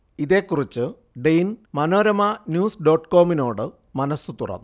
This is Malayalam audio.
ഇതേക്കുറിച്ച് ഡെയ്ൻ മനോരമ ന്യൂസ് ഡോട്ട് കോമിനോട് മനസ് തുറന്നു